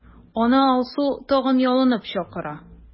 Аны Алсу тагын ялынып чакыра.